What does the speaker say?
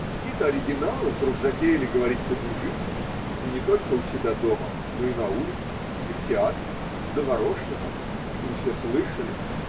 Какие-то оригиналы вдруг затеяли говорить по-мужицки, и не только у себя дома, но и на улице, и в театре, да нарочно так, чтобы все слышали.